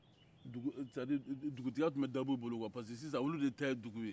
dugu sadiri dugutigiya tun bɛ dabow bolo kuwa parce que sisan olu de ta ye dugu ye